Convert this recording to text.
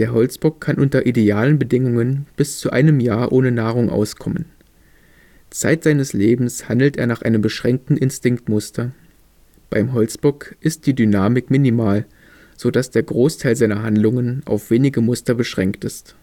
Holzbock kann unter idealen Bedingungen bis zu einem Jahr ohne Nahrung auskommen. Zeit seines Lebens handelt er nach einem beschränkten Instinktmuster. Beim Holzbock ist die Dynamik minimal, so dass der Großteil seiner Handlungen auf wenige Muster beschränkt ist